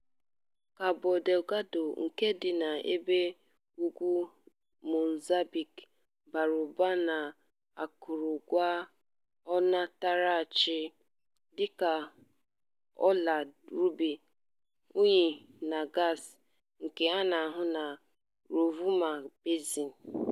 Cabo Delgado, nke dị n'ebe ugwu Mozambique, bara ụba n'akụrụngwa ọnatarachi, dịka ọla rubi, unyi na gaasị, nke a na-ahụ na Rovuma Basin.